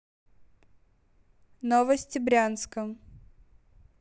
новости брянска